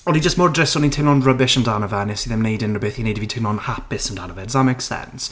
O'n i jyst mor drist o'n i'n teimlo'n rubbish amdano fe a wnes i ddim wneud unrhywbeth i wneud i fi teimlo'n hapus amdano fe. Does that make sense?